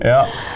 ja.